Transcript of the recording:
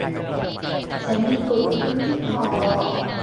ฉันมีตุ่มขึ้นที่คอ